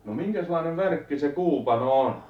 no minkäslainen värkki se kuupano on